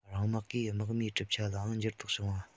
རང དམག གི དམག མིའི གྲུབ ཆ ལའང འགྱུར ལྡོག བྱུང བ